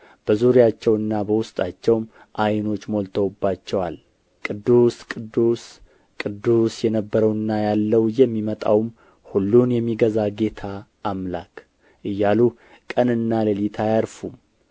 በዙሪያቸውና በውስጣቸውም ዓይኖች ሞልተውባቸዋል ቅዱስ ቅዱስ ቅዱስ የነበረውና ያለ የሚመጣውም ሁሉንም የሚገዛ ጌታ አምላክ እያሉ ቀንና ሌሊት አያርፉም